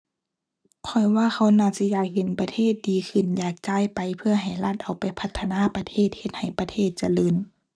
ข้อยว่าเขาน่าสิอยากเห็นประเทศดีขึ้น อยากจ่ายไปเพื่อให้รัฐเอาไปพัฒนาประเทศ เฮ็ดให้ประเทศเจริญ